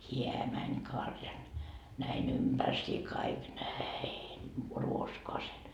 hän meni karjan näin ympärsiin kaikki näin ruoskaansa